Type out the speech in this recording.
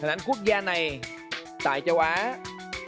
hình ảnh quốc gia này tại châu á